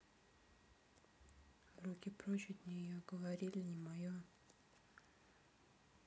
руки прочь от нее говорили не мое